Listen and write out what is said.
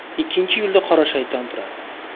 ikkinchi yo'lda qora shayton turadi